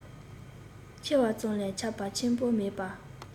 ཆེ བ ཙམ ལས ཁྱད པར ཆེན པོ མེད པ